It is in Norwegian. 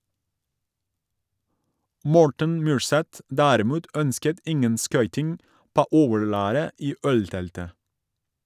Morten Myrseth derimot, ønsket ingen skøyting på overlæret i ølteltet.